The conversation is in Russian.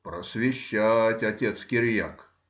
— Просвещать, отец Кириак.